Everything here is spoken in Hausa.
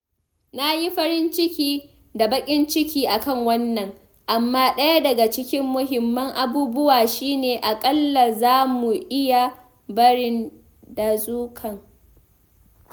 Na yi farin ciki da baƙin ciki a kan wannan, amma ɗaya daga cikin muhimman abubuwa shi ne, aƙalla za mu iya barin dazukan.